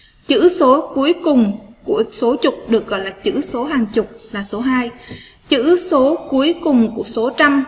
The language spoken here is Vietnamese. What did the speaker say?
chữ số cuối cùng của số chục được gọi là chữ số hàng chục là số hai chữ số cuối cùng của số chăm